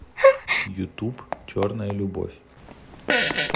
ютуб черная любовь